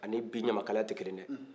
ani bi ɲamakalaya tɛ kelen ye de